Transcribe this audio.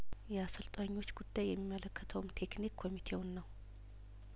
የአሰልጣኞች ጉዳይ የሚመለከተውም ቴክኒክ ኮሚቴውን ነው